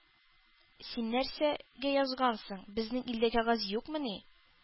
— син нәрсәгә язгансың! безнең илдә кәгазь юкмыни? —